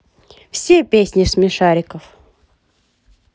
все песни смешариков